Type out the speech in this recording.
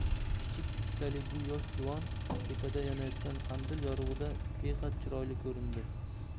kichik jussali bu yosh juvon tepada yonayotgan qandil yorug'ida behad chiroyli ko'rindi